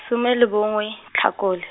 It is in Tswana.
some le bongwe, Tlhakole.